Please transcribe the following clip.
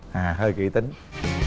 à hơi kĩ tính